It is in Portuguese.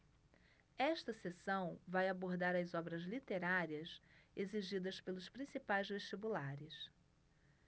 esta seção vai abordar as obras literárias exigidas pelos principais vestibulares